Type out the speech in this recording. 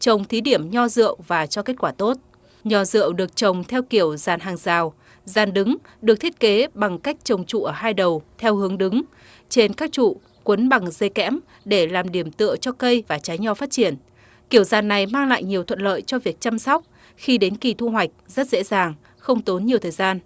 trồng thí điểm nho rượu và cho kết quả tốt nhờ rượu được trồng theo kiểu giàn hàng rào giàn đứng được thiết kế bằng cách trồng trụ ở hai đầu theo hướng đứng trên các trụ quấn bằng dây kẽm để làm điểm tựa cho cây và trái nho phát triển kiểu giàn này mang lại nhiều thuận lợi cho việc chăm sóc khi đến kỳ thu hoạch rất dễ dàng không tốn nhiều thời gian